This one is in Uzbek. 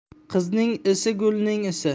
qizning isi gulning isi